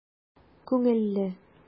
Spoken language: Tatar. Күңелле!